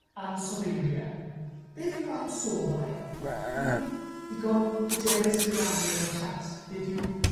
ansoddeiriae. Beth yw ansoddair? Unrwyn yn ddigon hyderus i rannu yn y chat beth yw